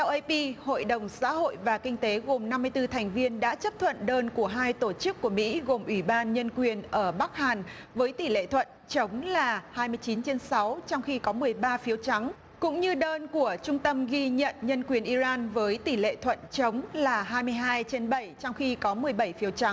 theo ây pi hội đồng xã hội và kinh tế gồm năm mươi tư thành viên đã chấp thuận đơn của hai tổ chức của mỹ gồm ủy ban nhân quyền ở bắc hàn với tỷ lệ thuận trống là hai mươi chín trên sáu trong khi có mười ba phiếu trắng cũng như đơn của trung tâm ghi nhận nhân quyền i ran với tỷ lệ thuận trống là hai mươi hai trên bẩy trong khi có mười bảy phiếu trắng